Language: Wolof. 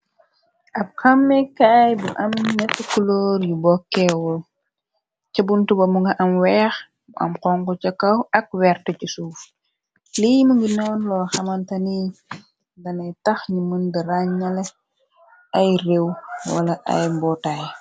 Ab kammekaay bu am nett kuloor yu bokeewul cë buntu ba mu nga am weex mu am xonko ca kaw ak wert ci suuf lii mu ngi noon loo xamantanii danay tax ñi mënd ràññala ay réew wala ay mbootaay.